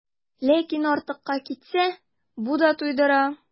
Ләкин артыкка китсә, бу да туйдыра.